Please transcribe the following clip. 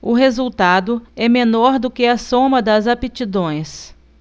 o resultado é menor do que a soma das aptidões